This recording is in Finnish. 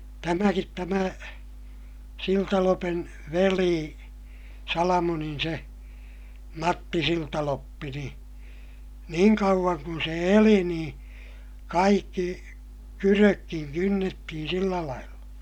tämäkin tämä Siltalopen veli Salamonin se Matti Siltaloppi niin niin kauan kuin se eli niin kaikki kydötkin kynnettiin sillä lailla